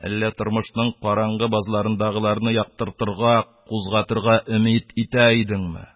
Әллә тормышның караңгы базларын-дагыларны яктыртырга, кузгатырга өмит итә идеңме?